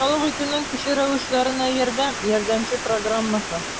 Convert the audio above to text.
«хуҗалык итүнең кече рәвешләренә ярдәм» ярдәмче программасы